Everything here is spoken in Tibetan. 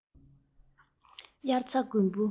དབྱར རྩྭ དགུན འབུ